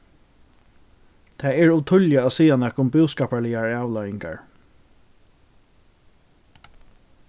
tað er ov tíðliga at siga nakað um búskaparligar avleiðingar